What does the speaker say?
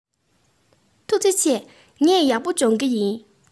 ཐུགས རྗེ ཆེ ངས ཡག པོ སྦྱོང གི ཡིན